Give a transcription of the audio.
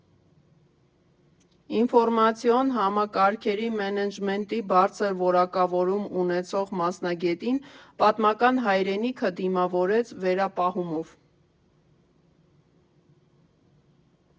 Ինֆորմացիոն համակարգերի մենեջմենթի բարձր որակավորում ունեցող մասնագետին պատմական հայրենիքը դիմավորեց վերապահումով։